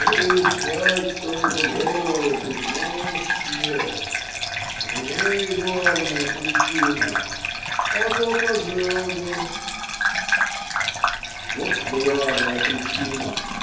Через пять-то годов вошь съест. В ней главная причина. А то пожил бы. " Вот "главная причина".